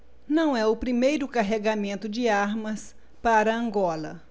não é o primeiro carregamento de armas para angola